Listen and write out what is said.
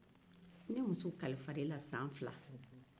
ne muso kalifara e la san fila